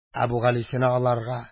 Әбүгалисина аларга: